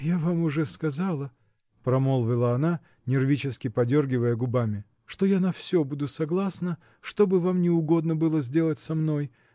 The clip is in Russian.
-- Я вам уже сказала, -- промолвила она, нервически подергивая губами, -- что я на все буду согласна, что бы вам ни угодно было сделать со мной